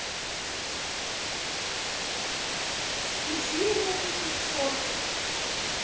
включи европу хит сорок